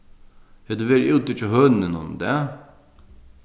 hevur tú verið úti hjá hønunum í dag